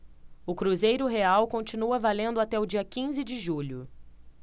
o cruzeiro real continua valendo até o dia quinze de julho